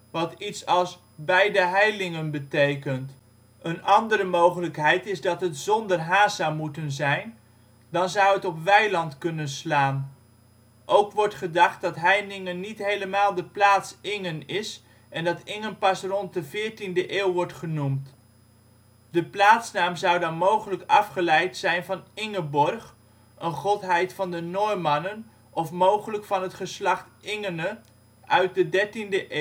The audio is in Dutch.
wat iets als bij de heiling (en) betekent. Een andere mogelijk is dat zonder h zou moeten zijn en dan zou het op weiland kunnen slaan. Ook wordt gedacht dat Heiningen niet helemaal de plaats Ingen is en dat Ingen pas rond 14e eeuw wordt genoemd. De plaatsnaam zou dan mogelijk afgeleid zijn van Ingeborg, een godheid van de Noormannen of mogelijk van het geslacht Ingenhe uit 13e eeuw